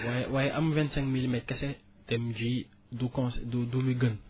waaye waaye am vingt cinq milimètres kese dem ji du cons du lu gën